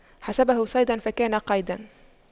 حسبه صيدا فكان قيدا